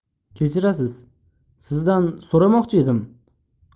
kechirasiz sizdan so'ramoqchi edim